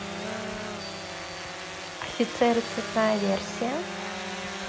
офицеры цветная версия